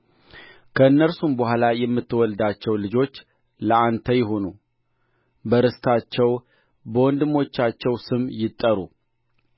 ከእነርሱም በኋላ የምትወልዳቸው ልጆች ለአንተ ይሁኑ በርስታቸው በወንድሞቻቸው ስም ይጠሩ